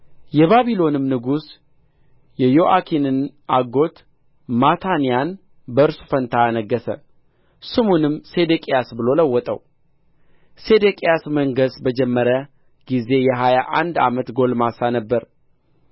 የባቢሎንም ንጉሥ የዮአኪንን አጎት ማታንያን በእርሱ ፋንታ አነገሠ ስሙንም ሴዴቅያስ ብሎ ለወጠው ሴዴቅያስ መንገሥ በጀመረ ጊዜ የሀያ አንድ ዓመት ጕልማሳ ነበረ